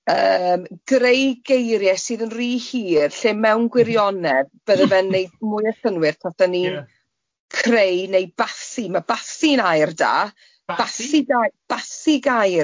...yym greu geirie sydd yn rhy hir lle mewn gwirionedd bydde fe'n neud mwy o synnwyr tase ni'n... Ie. ...creu neu basu ma basu'n air da basi da basi gair.